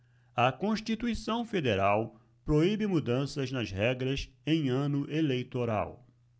a constituição federal proíbe mudanças nas regras em ano eleitoral